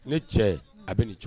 Sini cɛ a bɛ jɔ